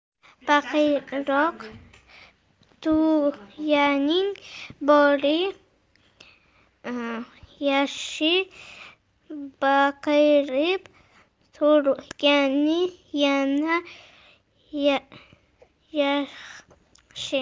baqiroq tuyaning bori yaxshi baqirib turgani yana yaxshi